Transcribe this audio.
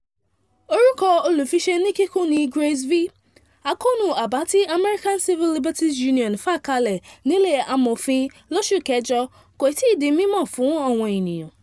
Orúkọ olúfiṣe ní kíkún ni Grace v. Àkóónú àbá tí American Civil Liberties Union fà kalẹ̀ nílé amòfin lóṣù kẹjọ kò ti di mímọ̀ fún àwọn ènìyàn.